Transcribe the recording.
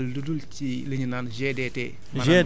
du dellu lu dul ci li ñu naan GDT